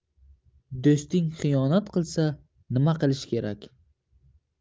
do'sting xiyonat qilsa nima qilish kerak